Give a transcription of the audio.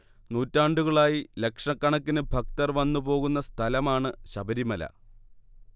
നൂറ്റാണ്ടുകളായി ലക്ഷക്കണക്കിന് ഭക്തർ വന്നു പോകുന്ന സഥലമാണ് ശബരിമല